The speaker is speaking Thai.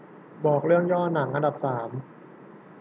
ขอดูตัวอย่างหนังอันดับสาม